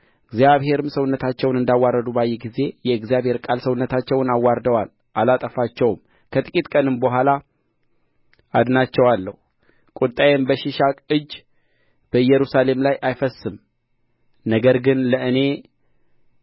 እግዚአብሔርም ሰውነታቸውን እንዳዋረዱ ባየ ጊዜ የእግዚአብሔር ቃል ሰውነታቸውን አዋርደዋል አላጠፋቸውም ከጥቂት ቀንም በኋላ አድናቸዋለሁ ቍጣዬም በሺሻቅ እጅ በኢየሩሳሌም ላይ አይፈስስም ነገር ግን ለእኔ